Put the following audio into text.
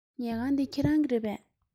ཉལ ཁང འདི ཁྱེད རང གི རེད པས